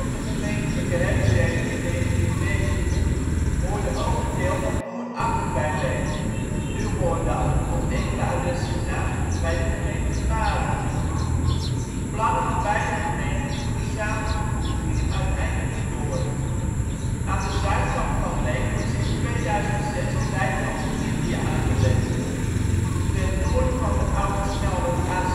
de gemeentelijke herindeling in 1990 hoorde ook een deel van Boerakker bij Leek, nu hoort dat (op enkele adressen na) bij de gemeente Marum. Plannen om beide gemeenten toen samen te voegen gingen uiteindelijk niet door. Aan de zuidkant van Leek wordt sinds 2006 de wijk Oostindie aangelegd. Ten noorden van de autosnelweg A7